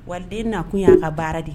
Waliden na kun y'a ka baara de